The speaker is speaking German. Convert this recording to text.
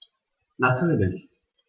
Natürlich.